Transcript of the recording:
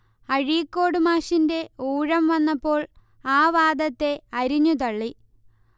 അഴീക്കോട് മാഷിന്റെ ഊഴം വന്നപ്പോൾ ആ വാദത്തെ അരിഞ്ഞുതള്ളി